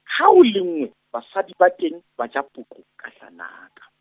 ha ho lenngwe, basadi ba teng, ba ja poqo, ka hlanaka.